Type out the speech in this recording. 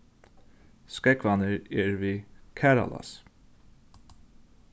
skógvarnir eru við karðalási